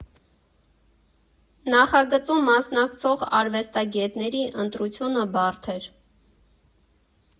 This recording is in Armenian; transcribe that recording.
Նախագծում մասնակցող արվեստագետների ընտրությունը բարդ էր։